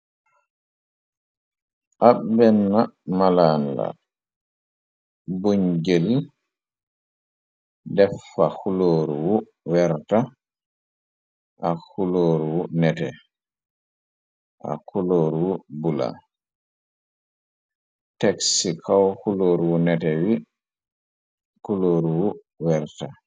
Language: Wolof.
Ab benn malaan la buñ jëri deffa xulóoru wu werta ak xulóor wu nete ak xulóor wu bula tex ci xaw xulóor wu nete wi xulóoru wu werta.